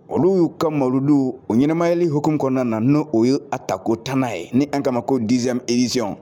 Olu y'u ka malo don o ɲɛnamayali hk kɔnɔna na n'o o y ye a takotan n' ye ni an kama ma ko dizme zy